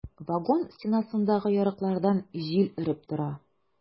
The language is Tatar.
Вагон стенасындагы ярыклардан җил өреп тора.